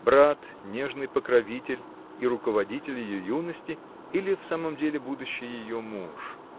Брат, нежный покровитель и руководитель ее юности — или в самом деле будущий ее муж?